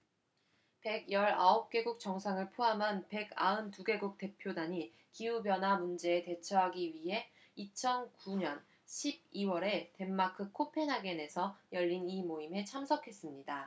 백 열 아홉 개국 정상을 포함한 백 아흔 두 개국 대표단이 기후 변화 문제에 대처하기 위해 이천 구 년 십 이 월에 덴마크 코펜하겐에서 열린 이 모임에 참석했습니다